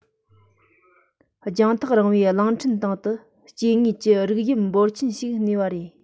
རྒྱང ཐག རིང བའི གླིང ཕྲན སྟེང དུ སྐྱེ དངོས ཀྱི རིགས དབྱིབས འབོར ཆེན ཞིག གནས པ རེད